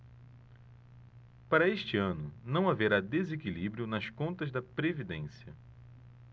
para este ano não haverá desequilíbrio nas contas da previdência